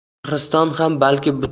shahriston ham balki